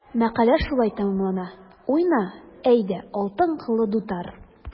Мәкалә шулай тәмамлана: “Уйна, әйдә, алтын кыллы дутар!"